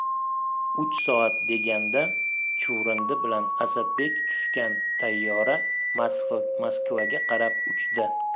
uch soat deganda chuvrindi bilan asadbek tushgan tayyora moskvaga qarab uchdi